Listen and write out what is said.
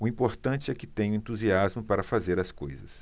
o importante é que tenho entusiasmo para fazer as coisas